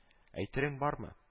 Әйтерең бармы